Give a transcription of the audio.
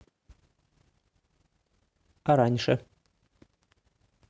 а раньше